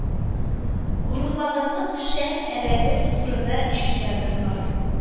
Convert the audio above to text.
Горурланырлык шә әрәгез турында ишеткәнем бар